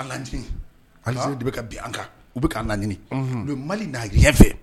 Ali de bɛ bin an kan u bɛ k' laɲini u bɛ mali'y fɛ